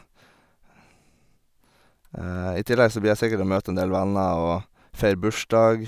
I tillegg så blir jeg sikkert å møte en del venner og feire bursdag.